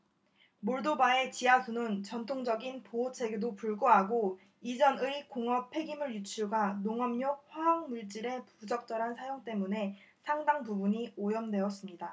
몰도바의 지하수는 전통적인 보호책에도 불구하고 이전의 공업 폐기물 유출과 농업용 화학 물질의 부적절한 사용 때문에 상당 부분이 오염되었습니다